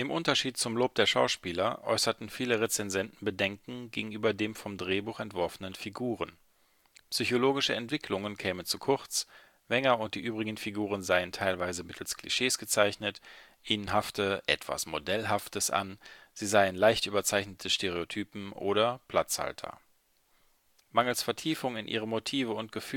Unterschied zum Lob der Schauspieler äußerten viele Rezensenten Bedenken gegenüber den vom Drehbuch entworfenen Figuren. Psychologische Entwicklungen kämen zu kurz, Wenger und die übrigen Figuren seien teilweise mittels Klischees gezeichnet, ihnen hafte „ etwas Modellhaftes “an, sie seien „ leicht überzeichnete Stereotypen “oder „ Platzhalter “. Mangels Vertiefung in ihre Motive und Gefühle